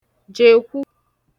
jèkwu